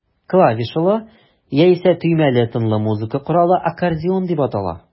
Клавишалы, яисә төймәле тынлы музыка коралы аккордеон дип атала.